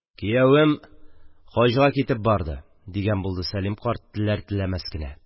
– киявем хаҗга китеп барды, – дигән булды сәлим карт, теләр-теләмәс кенә.